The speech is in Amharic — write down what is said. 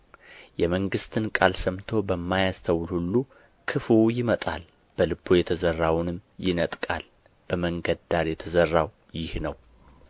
የመንግሥትን ቃል ሰምቶ በማያስተውል ሁሉ ክፉው ይመጣል በልቡ የተዘራውንም ይነጥቃል በመንገድ ዳር የተዘራው ይህ ነው